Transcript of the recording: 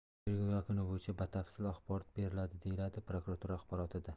tergov yakuni bo'yicha batafsil axborot beriladi deyiladi prokuratura axborotida